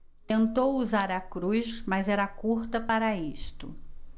tentou usar a cruz mas era curta para isto